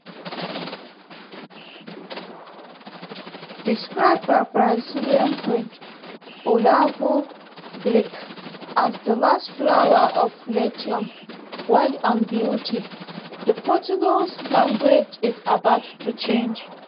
Described by Brazilian poet Olavo Bilac as “the last flower of Latium, wild and beautiful”, the Portuguese language is about to change.